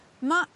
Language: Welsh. Ma'